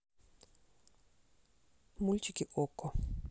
мультики окко